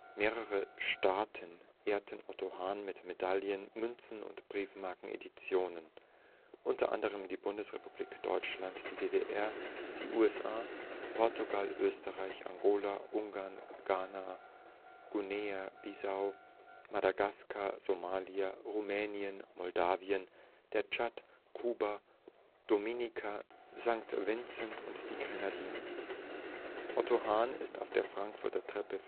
Mehrere Staaten ehrten Otto Hahn mit Medaillen -, Münzen - und Briefmarken-Editionen (u. a. die Bundesrepublik Deutschland, die DDR, die USA, Portugal, Österreich, Angola, Ungarn, Ghana, Guinea-Bissau, Madagaskar, Somalia, Rumänien, Moldavien, der Tschad, Kuba, Dominica, St. Vincent und die Grenadinen). 5-DM-Münze, Bundesrepublik Deutschland, 1979 Otto Hahn ist auf der Frankfurter Treppe